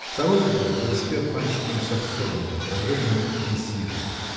Второй куплет был спет Паншиным с особенным выражением и силой